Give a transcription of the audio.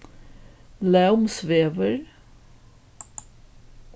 lómsvegur